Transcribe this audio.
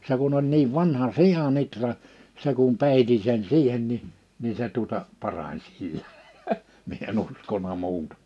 se kun oli niin vanha sian ihra se kun peitin sen siihen niin niin se tuota parani sillä minä en uskonut muuta